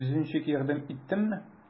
Зюзюнчик, ярдәм итимме?